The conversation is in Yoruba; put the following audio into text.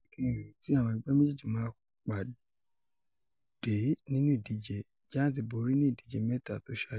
Ẹ̀kẹ́rin rèé tí àwọn ẹgbẹ́ méjèèjì máa padà nínú ìdíje. Giants borí ní ìdíje mẹ́ta tó ṣáájú.